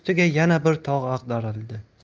ustiga yana bir tog' ag'darildi